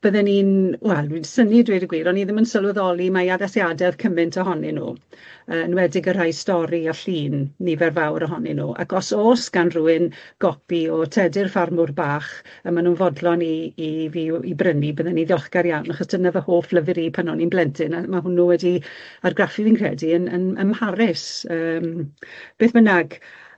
Bydden i'n wel dwi'n synnu a dweud y gwir, o'n i ddim yn sylweddoli mai addasiade o'dd cyment ohonyn nw yy enwedig y rhai stori a llun nifer fawr ohonyn nw, ac os o's gan rhywun gopi o Tedi'r Ffarmwr Bach a ma' nw'n fodlon i i fi w- i brynu, bydden i'n ddiolchgar iawn, achos dyna fy hoff lyfr i pan o'n i'n blentyn, a ma' hwnnw wedi argraffu fi'n credu yn yn ym Mharis yym beth bynnag.